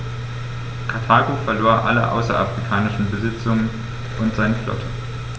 Karthago verlor alle außerafrikanischen Besitzungen und seine Flotte.